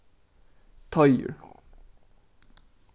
teigur